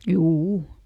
juu